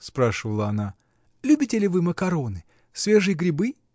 — спрашивала она, — любите ли вы макароны? свежие грибы?